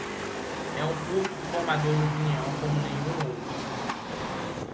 é um público formador de opinião como nenhum outro